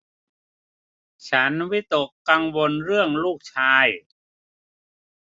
ฉันวิตกกังวลเรื่องลูกชาย